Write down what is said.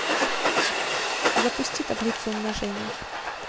запусти таблицу умножения